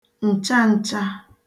ǹcha ǹcha